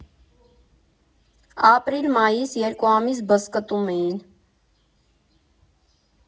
Ապրիլ֊մայիս՝ երկու ամիս բզկտում էին.